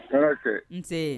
Walasa kɛ nse